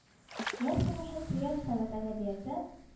Яз сулышын тоеп совет әдәбияты